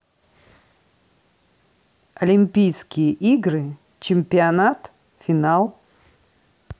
олимпийские игры чемпионат финал